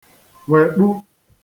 wèkpu